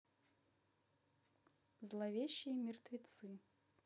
зловещие мертвецы